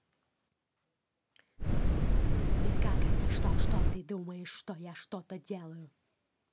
и как это что что ты думаешь что я что то делаю